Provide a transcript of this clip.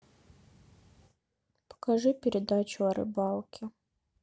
покажи передачу о рыбалке